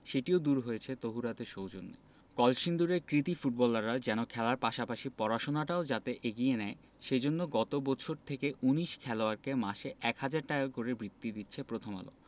সেটিও দূর হয়েছে তহুরাদের সৌজন্যে কলসিন্দুরের কৃতী ফুটবলাররা যেন খেলার পাশাপাশি পড়াশোনাটাও যাতে এগিয়ে নেয় সে জন্য গত বছর থেকে ১৯ খেলোয়াড়কে মাসে ১ হাজার টাকা করে বৃত্তি দিচ্ছে প্রথম আলো